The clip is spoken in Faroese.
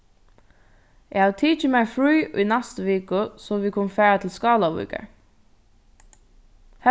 eg havi tikið mær frí í næstu viku so vit kunnu fara til skálavíkar